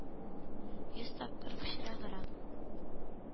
Йөз тапкыр пычраграк.